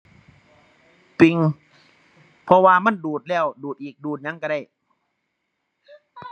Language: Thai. ปลิง เพราะว่ามันดูดแล้วดูดอีก ดูดหยังก็ได้